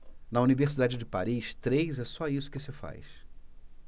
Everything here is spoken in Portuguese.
na universidade de paris três é só isso que se faz